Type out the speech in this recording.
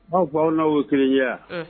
' fa aw'aw kelen ye